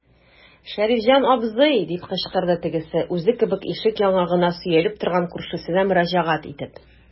Шәрифҗан абзый, - дип кычкырды тегесе, үзе кебек ишек яңагына сөялеп торган күршесенә мөрәҗәгать итеп.